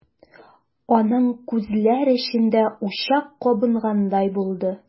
Аның күзләр эчендә учак кабынгандай булды.